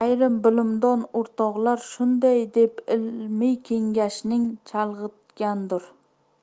ayrim bilimdon o'rtoqlar shunday deb ilmiy kengashni chalg'itgandir